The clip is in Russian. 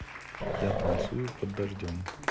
я танцую под дождем